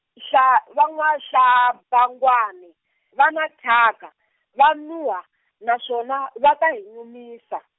hla, va N'wa-Hlabangwani, va na thyaka, va nunhwa, naswona, va ta hi nyumisa.